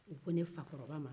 u ko ne fakɔrɔba ma